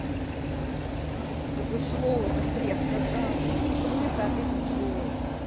такое слово когда я сказала в смысле ответил джой